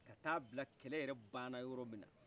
ka taa bila kɛlɛ yɛrɛ banna yɔrɔ minna